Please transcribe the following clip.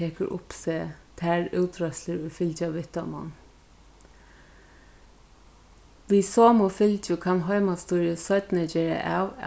tekur upp seg tær útreiðslur ið fylgja við teimum við somu fylgju kann heimastýrið seinni gera av